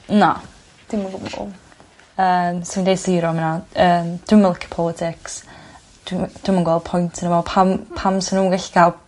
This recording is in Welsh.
Na. Dim o gwbwl. Yn sa i'n deud sero am wnna yym dwi'm yn licio politics dw'm y- dwi'm yn gweld point yn fo pam pam san nw'm gallu ca'l